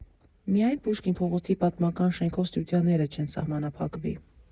Միայն Պուշկին փողոցի պատմական շենքով Ստուդիաները չեն սահմանափակվի.